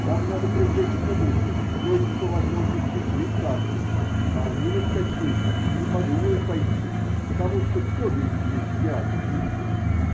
-- Нам надо привлечь публику, то есть, по возможности, швейцарцев, а они на "Ткачей" и не подумают пойти, потому что кто же их здесь в театре не видел?